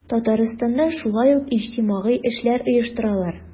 Татарстанда шулай ук иҗтимагый эшләр оештыралар.